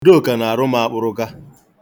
Udoka na-arụ m akpụrụka.